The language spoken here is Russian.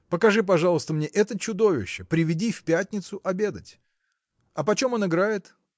Покажи, пожалуйста, мне это чудовище, приведи в пятницу обедать!. А почем он играет?